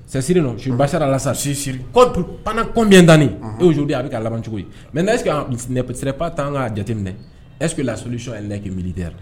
C'est Syrie non sur Bashar al - Assad si sirk contre pendant combien d'années unhun et aujoud'hui a be ka laban cogodi maintenant est ce que an uns n'est p ce n'est pas temps an' ŋ'a jateminɛ est ce que la solution elle n'est que militaire